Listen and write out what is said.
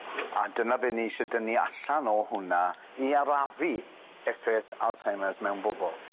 A dyna be' ni isie dynnu allan o hwnna i arafu effeth Alzheimers mewn bobol.